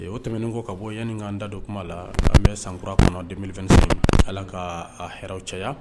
O tɛmɛnen ko ka bɔ yen yanni n ka da don kuma la, an bɛ san kura kɔnɔ 2025 Ala k'a hɛrɛw caya